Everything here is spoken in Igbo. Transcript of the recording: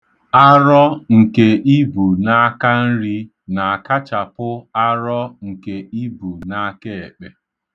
Arọ nke i bu n'akanri na-akachapụ arọ nke i bu n'akeekpe.